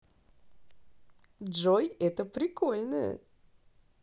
джой это прикольная